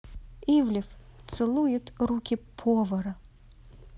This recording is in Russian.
ивлев целует руки повара